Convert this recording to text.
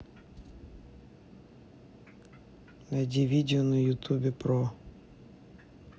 найди видео на ютубе про